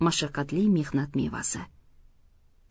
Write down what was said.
mashaqqatli mehnat mevasi